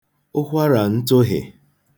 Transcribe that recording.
ụkwarà ntụhị̀